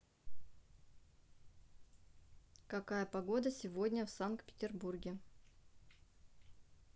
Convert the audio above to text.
какая погода сегодня в санкт петербурге